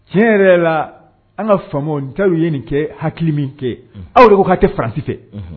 Tiɲɛ yɛrɛ la an ka fa ja ye nin kɛ hakili min kɛ aw de ko ka kɛ fanransi fɛ